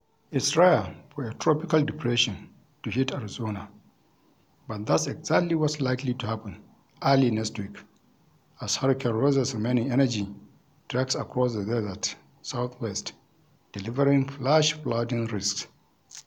It's rare for a tropical depression to hit Arizona, but that's exactly what's likely to happen early next week as Hurricane Rosa's remaining energy tracks across the Desert Southwest, delivering flash flooding risks.